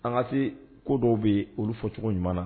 An ka se ko dɔw ne ye, olu fɔcogo ɲuman na.